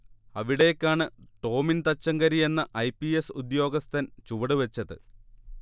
അവിടേക്കാണ് ടോമിൻ തച്ചങ്കരി എന്ന ഐപിഎസ് ഉദ്യോഗസ്ഥൻ ചുവടുവെച്ചത്